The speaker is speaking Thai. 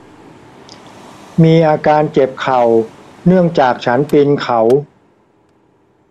มีอาการเจ็บเข่าเนื่องจากฉันปืนเขา